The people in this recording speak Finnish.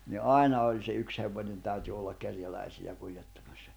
niin aina oli se yksi hevonen täytyi olla kerjäläisiä kuljettamassa